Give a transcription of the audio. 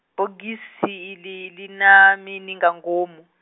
bogisi iḽi lina mini, nga ngomu?